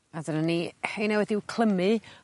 A dyna ni heina wedi i'w clymu